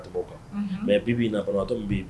Mɛ b'i' kɔnɔ b